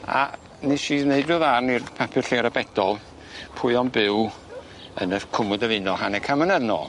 A nesh i neud ryw ddarn i'r papur lleol y Bedol pwy o'n byw yn y Cwmwd y Faenol hanner can mlynadd yn ôl.